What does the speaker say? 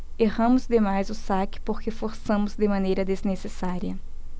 erramos demais o saque porque forçamos de maneira desnecessária